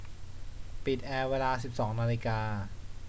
ปิดแอร์เวลาสิบสองนาฬิกา